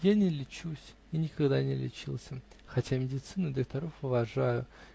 Я не лечусь и никогда не лечился, хотя медицину и докторов уважаю.